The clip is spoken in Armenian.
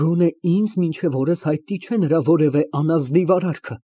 Գոնե ինձ մինչև օրս հայտնի չէ նրա որևէ անազնիվ արարքը։